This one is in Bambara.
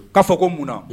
Ka fɔ ko mun na